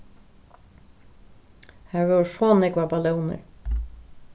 har vóru so nógvar ballónir